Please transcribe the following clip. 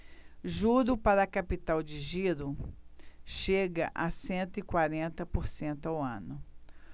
juro para capital de giro chega a cento e quarenta por cento ao ano